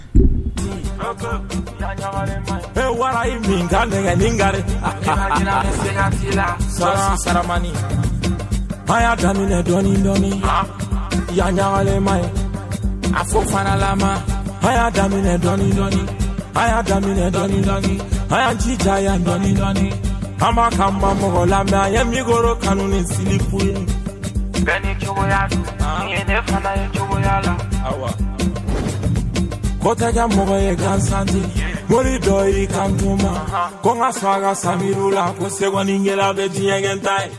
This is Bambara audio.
Min ka a yan ɲagaɛlɛma ye a ko faralama a'a daminɛɔni a daminɛ a ci diya yanɔni ka ma mɔgɔ lamɛn a ye miro kanu ni siri koyi ye ni ko tɛ mɔgɔ ye gansanti ye mori dɔ y i ka ma ko ka saga ka sa la ko se ɲɛla bɛ diɲɛgɛn ta ye